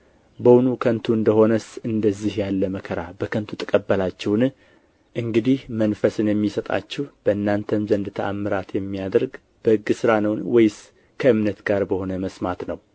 በውኑ ከንቱ እንደ ሆነስ እንደዚህ ያለ መከራ በከንቱ ተቀበላችሁን እንግዲህ መንፈስን የሚሰጣችሁ በእናንተም ዘንድ ተአምራት የሚያደርግ በሕግ ሥራ ነውን ወይስ ከእምነት ጋር በሆነ መስማት ነው